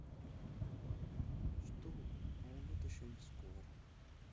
что ты новый год еще не скоро